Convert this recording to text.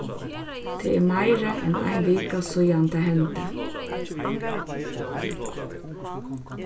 tað er meira enn ein vika síðani tað hendi